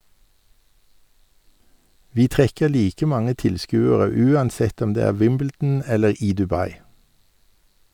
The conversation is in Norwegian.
Vi trekker like mange tilskuere uansett om det er Wimbledon eller i Dubai.